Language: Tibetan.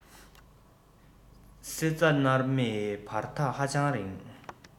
སྲིད རྩེ མནར མེད བར ཐག ཧ ཅང རིང